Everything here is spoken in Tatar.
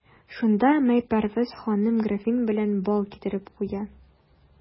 Шунда Майпәрвәз ханым графин белән бал китереп куя.